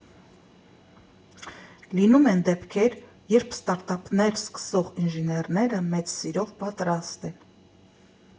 Լինում են դեպքեր, երբ ստարտափներ սկսող ինժեներները մեծ սիրով պատրաստ։